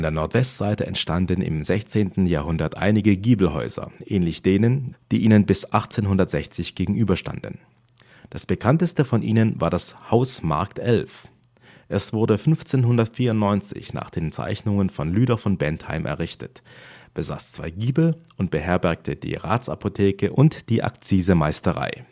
Nordwestseite entstanden im 16. Jahrhundert einige Giebelhäuser, ähnlich denen, die ihnen bis 1860 gegenüberstanden. Der Schütting und die Giebelhäuser, hinter dem Roland das Deutsche Haus Das bekannteste von ihnen war das Haus Markt 11. Es wurde 1594 nach den Zeichnungen von Lüder von Bentheim errichtet, besaß zwei Giebel und beherbergte die Rathsapotheke und die Akzisemeisterei